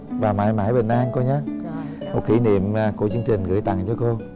và mãi mãi bình an cô nhá một kỷ niệm của chương trình gửi tặng cho cô